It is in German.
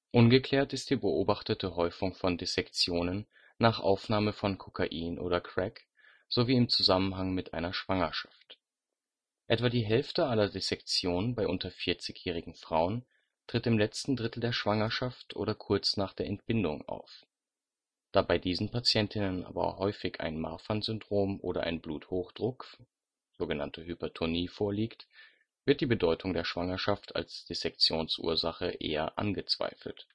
Ungeklärt ist die beobachtete Häufung von Dissektionen nach Aufnahme von Kokain oder Crack sowie im Zusammenhang mit einer Schwangerschaft. Etwa die Hälfte aller Dissektionen bei unter 40-jährigen Frauen tritt im letzten Drittel der Schwangerschaft oder kurz nach der Entbindung auf. Da bei diesen Patientinnen aber häufig ein Marfan-Syndrom oder ein Bluthochdruck (Hypertonie) vorliegt, wird die Bedeutung der Schwangerschaft als Dissektionsursache eher angezweifelt